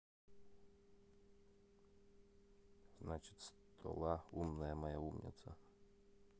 значит стола умная моя умница